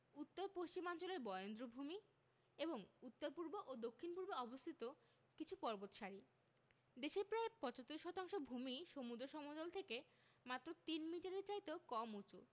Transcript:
উত্তর পশ্চিমাঞ্চলের বরেন্দ্রভূমি এবং উত্তর পূর্ব ও দক্ষিণ পূর্বে অবস্থিত কিছু পর্বতসারি দেশের প্রায় ৭৫ শতাংশ ভূমিই সমুদ্র সমতল থেকে মাত্র তিন মিটারের চাইতেও কম উঁচু